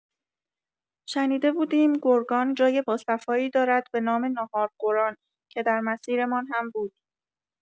شنیده بودیم گرگان جای با صفایی دارد به نام ناهارخوران که در مسیرمان هم بود.